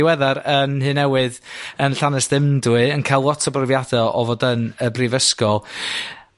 ddiweddar yn Nhŷ Newydd yn Llanystumdwy, yn ca'l lot o brofiada o fod yn y brifysgol,